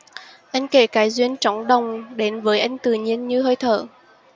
anh kể cái duyên trống đồng đến với anh tự nhiên như hơi thở